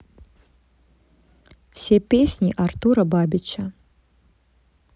все песни артура бабича